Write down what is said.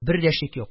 Бер дә шик юк,